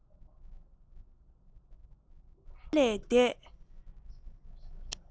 རྗེས དྲན ལས སད